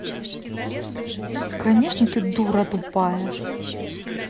короче ты дура тупая